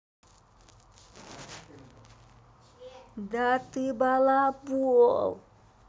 да ты балабол